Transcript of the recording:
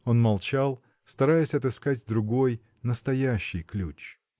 Он молчал, стараясь отыскать другой, настоящий ключ.